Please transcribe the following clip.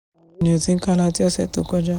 Àwọn ìwé wo ni o ti ń kà láti ọ̀sẹ̀ tí ó kọjá?